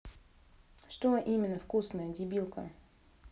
что именно вкусное дебилка